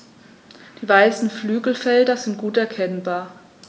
Die weißen Flügelfelder sind gut erkennbar.